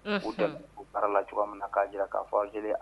Unhun, U deli la baara la cogoya min na k'a jira k'a fɔ a jɛlen